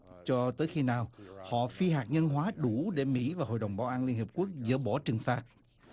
cho tới khi nào họ phi hạt nhân hóa đủ để mỹ và hội đồng bảo an liên hiệp quốc dỡ bỏ trừng phạt